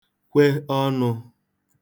kwe ọnụ̄